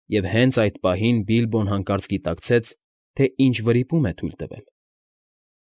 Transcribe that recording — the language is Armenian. Եվ հենց այդ պահին Բիլբոն գիտակցեց, թե ինչ վրիպում է թույլ տվել։